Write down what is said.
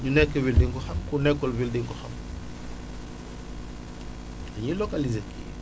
ñu nekk ville di nga ko xam ku nekkul ville di nga ko xam dañuy localiser